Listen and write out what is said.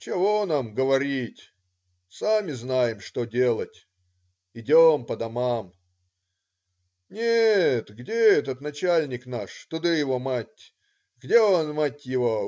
"Чего нам говорить!" - "Сами знаем, что делать!" - "Идем по домам!" - "Нет, где этот начальник наш, туды его мать? Где он, мать его.